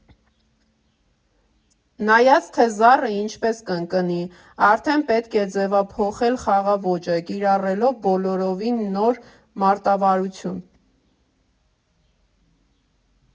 Նայած, թե զառը ինչպես կընկնի, արդեն պետք է ձևափոխել խաղաոճը՝ կիրառելով բոլորովին նոր մարտավարություն։